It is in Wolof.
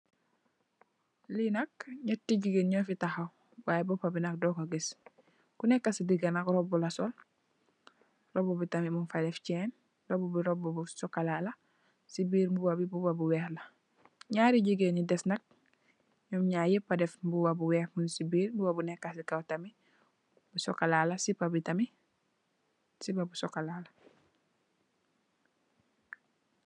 Li nak ñetti jigeen ño fi taxaw way bópa bi nak doko gis, ku nèkka ci diga nak roba la sol, roba bi tamid mung fa dèf cèèn, roba bi roba bu sokola ci birr mbuba bi mbubu bu wèèx la. Ñaari jigeen yu des nak ñum ñaar ñap pa def mbuba bu wèèx mun ci birr mbuba bu nekka ci kaw sokola la sipá bi tam sokola la.